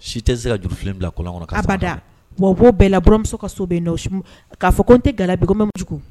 Si tɛ se ka juru filen bila kolonlɔn kɔnɔ habada wa bɔ bɛɛ lauramuso ka so bɛ yen na k'a fɔ ko n tɛ gamajugu